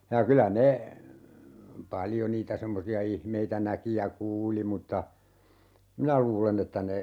ja kyllä ne paljon niitä semmoisia ihmeitä näki ja kuuli mutta minä luulen että ne